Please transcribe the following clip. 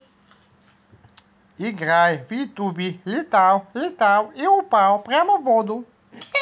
играй youtube летал летал и упал прямо в воду